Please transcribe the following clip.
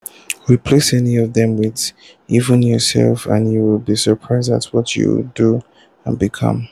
Replace [any of them] with even yourself and you will be surprised at what you will do or become.